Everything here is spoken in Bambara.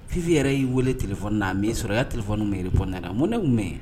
Fiifi yɛrɛ y'i weele t fɔ n'a min sɔrɔya tile fɔ yɛrɛpnɛra mɔnɛ mɛn ye